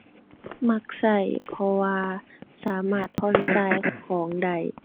มักใช้ เพราะว่าสามารถผ่อนจ่าย ขะ ของได้